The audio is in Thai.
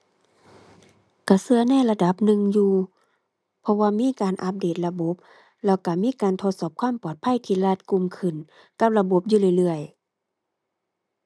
ก็ก็ในระดับหนึ่งอยู่ เพราะว่ามีการอัปเดตระบบ แล้วก็มีการทดสอบความปลอดภัยที่รัดกุมขึ้นกับระบบอยู่เรื่อยเรื่อย